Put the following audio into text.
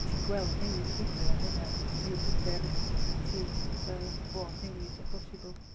Ti'n gweld newid yn digwydd a mae hynna'n rhoid hyder i ti yy bod newid yn bosibl.